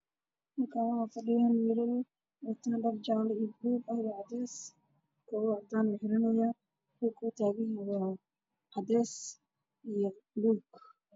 Meeshan waxaa fadhiyaan wiilal dheelaya kubad oo wataan fanaanado cad caddaysi iyo cid ciid isku jira ah waxayna xiranayaan kabo